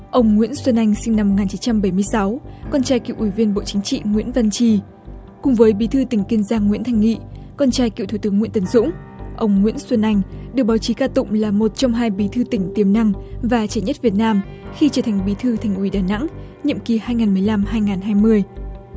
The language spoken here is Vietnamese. ông nguyễn xuân anh sinh năm một nghìn chín trăm bảy mươi sáu con trai cựu ủy viên bộ chính trị nguyễn văn chi cùng với bí thư tỉnh kiên giang nguyễn thanh nghị con trai cựu thủ tướng nguyễn tấn dũng ông nguyễn xuân anh được báo chí ca tụng là một trong hai bí thư tỉnh tiềm năng và trẻ nhất việt nam khi trở thành bí thư thành ủy đà nẵng nhiệm kỳ hai ngàn mười lăm hai ngàn hai mươi